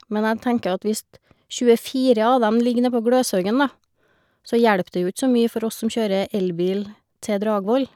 Men jeg tenker at hvis tjuefire av dem ligger nedpå Gløshaugen, da, så hjelper det jo itj så mye for oss som kjører elbil til Dragvoll.